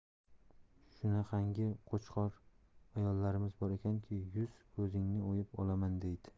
shunaqangi qo'chqor ayollarimiz bor ekanki yuz ko'zingni o'yib olaman deydi